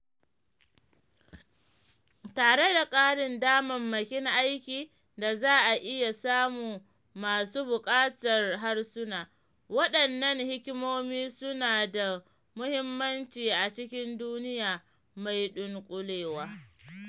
Tare da ƙarin damammakin aiki da za a iya samu masu buƙatar harsuna, wadannan hikimomi suna da muhimmanci a cikin duniya mai dunƙulewa.